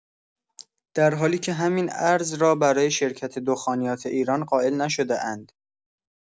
در حالی که همین ارز را برای شرکت دخانیات ایران قائل نشده‌اند.